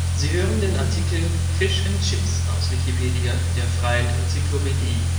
Sie hören den Artikel Fish and Chips, aus Wikipedia, der freien Enzyklopädie